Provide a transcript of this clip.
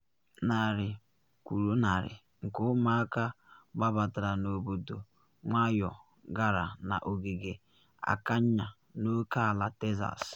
Narị Kwụrụ Narị nke Ụmụaka Gbabatara N’obodo Nwayọ Gara na Ogige Akanya na Oke Ala Texas